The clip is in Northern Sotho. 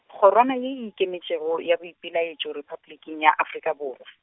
kgorwana ye e Ikemetšego ya Boipelaetšo Repabliking ya Afrika Borwa.